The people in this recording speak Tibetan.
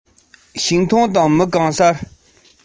སྣ ལུད རིད པོ ཞིག མར བཅངས འདུག